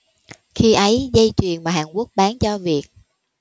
khi ấy dây chuyền mà hàn quốc bán cho việt